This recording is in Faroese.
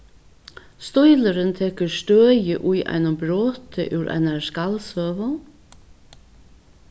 stílurin tekur støði í einum broti úr einari skaldsøgu